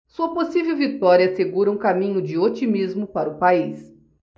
sua possível vitória assegura um caminho de otimismo para o país